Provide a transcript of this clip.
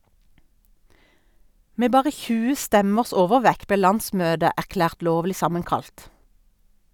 Med bare 20 stemmers overvekt ble landsmøtet erklært lovlig sammenkalt.